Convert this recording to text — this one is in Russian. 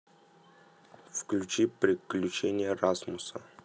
включи приключения расмуса